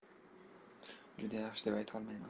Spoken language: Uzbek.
juda yaxshi deb aytolmayman